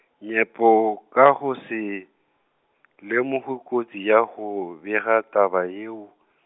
Nyepo ka go se , lemoge kotsi ya go bega taba yeo.